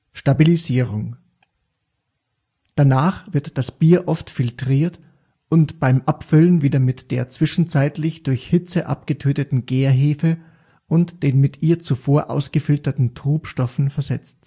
Stabilisierung: Danach wird das Bier oft filtriert und beim Abfüllen wieder mit der zwischenzeitlich durch Hitze abgetöteten Gärhefe und den mit ihr zuvor ausgefilterten Trubstoffen versetzt